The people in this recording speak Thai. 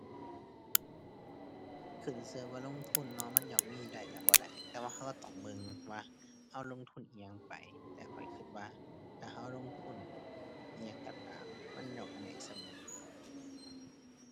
ขึ้นชื่อว่าลงทุนเนาะ มันย่อมมีได้และบ่ได้ แต่ว่าชื่อชื่อต้องเบิ่งว่า ชื่อลงทุนอิหยังไป แต่ข้อยชื่อว่า ถ้าชื่อลงทุนอิหยังชื่อตาม มันย่อมได้เสมอ